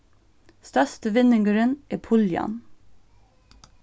størsti vinningurin er puljan